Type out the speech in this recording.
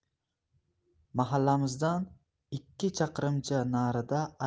mahallamizdan ikki chaqirimcha narida